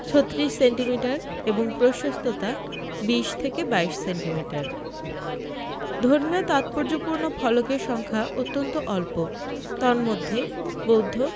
৩৬ centimetre এবং প্রশস্ততা ২০ ২২ centimetre ধর্মীয় তাৎপর্যপূর্ণ ফলকের সংখ্যা অত্যন্ত অল্প তন্মধ্যে বৌদ্ধ